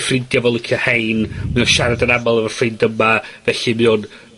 ffrindia fo licio rhein. Mae o siarad yn amal efo ffrind yma. Felly mi o'n